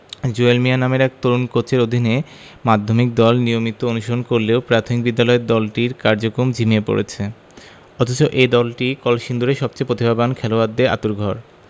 জুয়েল মিয়া নামের এক তরুণ কোচের অধীনে মাধ্যমিক দল নিয়মিত অনুশীলন করলেও প্রাথমিক বিদ্যালয়ের দলটির কার্যক্রম ঝিমিয়ে পড়েছে অথচ এই দলটিই কলসিন্দুরের সবচেয়ে প্রতিভাবান খেলোয়াড়দের আঁতুড়ঘর